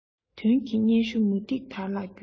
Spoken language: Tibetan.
དོན གྱི སྙན ཞུ མུ ཏིག དར ལ བརྒྱུས